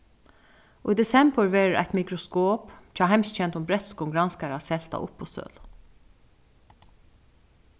í desembur verður eitt mikroskop hjá heimskendum bretskum granskara selt á uppboðssølu